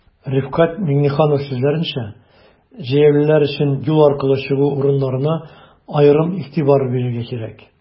Рифкать Миңнеханов сүзләренчә, җәяүлеләр өчен юл аркылы чыгу урыннарына аерым игътибар бирергә кирәк.